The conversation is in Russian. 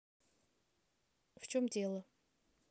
в чем дело